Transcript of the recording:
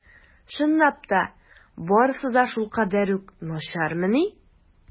Чынлап та барысы да шулкадәр үк начармыни?